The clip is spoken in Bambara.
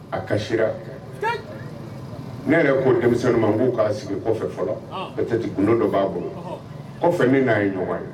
A kasira, sikeyi, ne yɛrɛ ko denmisɛnnin ma, n k'o k'a sigi kɔfɛ fɔlɔ, an, peut être kundo dɔ b'a bolo, ɔnhɔn, kɔfɛ ne n'a ye ɲɔgɔn ye.